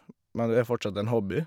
Men det er fortsatt en hobby.